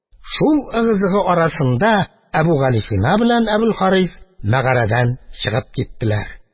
Шул ыгы-зыгы арасында Әбүгалисина белән Әбелхарис мәгарәдән чыгып киттеләр.